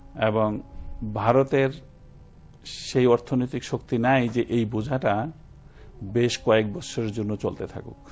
এবং ভারতের সেই অর্থনৈতিক শক্তির নাই যে এই বোঝাটা বেশ কয়েক বৎসরের জন্য চলতে থাকুক